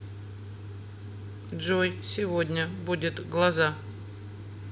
джой сегодня будет глаза